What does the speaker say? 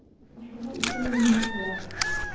Ашарга ике мең генә кала.